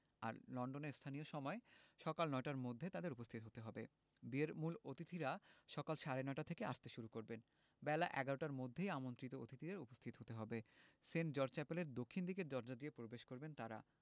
আর লন্ডনের স্থানীয় সময় সকাল নয়টার মধ্যে তাঁদের উপস্থিত হতে হবে বিয়ের মূল অতিথিরা সকাল সাড়ে নয়টা থেকে আসতে শুরু করবেন বেলা ১১টার মধ্যেই আমন্ত্রিত অতিথিদের উপস্থিত হতে হবে সেন্ট জর্জ চ্যাপেলের দক্ষিণ দিকের দরজা দিয়ে প্রবেশ করবেন তাঁরা